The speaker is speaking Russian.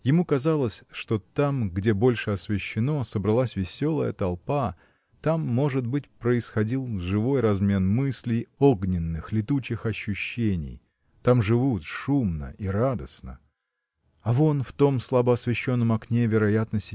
Ему казалось, что там, где больше освещено, собралась веселая толпа там может быть происходил живой размен мыслей огненных летучих ощущений там живут шумно и радостно. А вон в том слабо освещенном окне вероятно